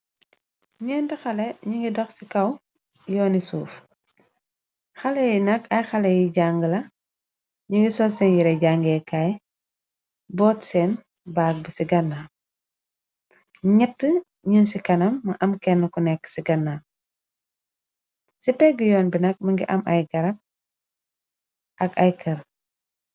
Nent xalé ñu ngi dox ci kaw yooni suuf. Xale yi nak ay xale yi jang la, ñu ngi sol seen yirey jangeekaay boot seen baag bi ci ganna , ñett ñu ci kanam mu am kenn ko nekk ci ganna , ci pegg yoon bi nag më ngi am ay garab ak ay kër.